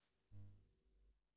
ну конечно настроение умные